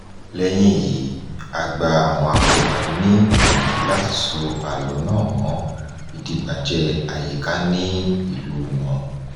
Lẹ́yìn èyí, a gba àwọn akópa ní ìyànjú láti so àlọ́ náà mọ́ ìdìbàjẹ́ àyíká ní ìlúu wọn.